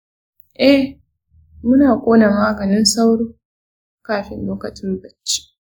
eh, muna kona maganin sauro kafin lokacin bacci.